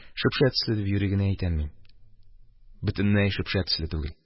Шөпшә төсле дип юри генә әйттем мин, бөтенләй шөпшә төсле түгел.